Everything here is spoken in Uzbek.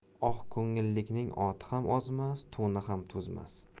oqko'ngillikning oti ham ozmas to'ni ham to'zmas